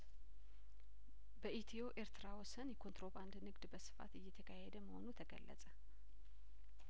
በኢትዮ ኤርትራ ወሰን የኮንትሮባንድንግድ በስፋት እየተካሄደ መሆኑ ተገለጸ